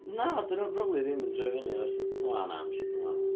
Na 'di nhw probably ddim yn troi fyny ar s... Wel na ma isi- wel...